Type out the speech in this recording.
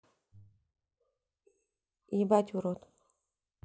ебать урод